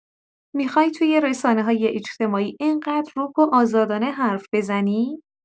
می‌خوای توی رسانه‌های اجتماعی این‌قدر رک و آزادانه حرف بزنی؟